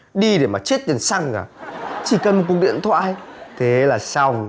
đi để mà chết tiền xăng à chỉ cần một cuộc điện thoại thế là xong